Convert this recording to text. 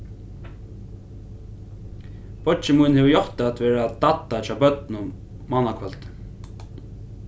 beiggi mín hevur játtað at vera dadda hjá børnunum mánakvøldið